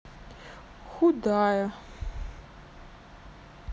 худая